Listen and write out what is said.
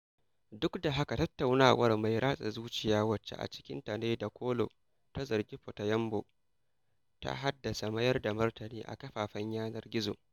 Duk da haka, tattaunawar mai ratsa zuciya wacce a cikinta ne Dakolo ta zargi Fatoyinbo ta haddasa mayar da martani a kafafen yanar gizo.